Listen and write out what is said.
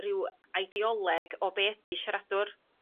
ryw aideoleg o be 'di siaradwr.